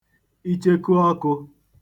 ichekuọkụ̄